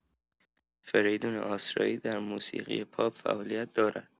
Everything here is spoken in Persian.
فریدون آسرایی در موسیقی پاپ فعالیت دارد.